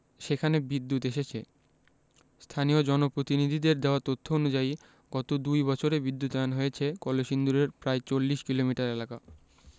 সেখানে বিদ্যুৎ এসেছে স্থানীয় জনপ্রতিনিধিদের দেওয়া তথ্য অনুযায়ী গত দুই বছরে বিদ্যুতায়ন হয়েছে কলসিন্দুরের প্রায় ৪০ কিলোমিটার এলাকা